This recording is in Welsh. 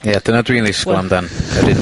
Ie, dyna dwi yn ddisgwl amdan, yr un...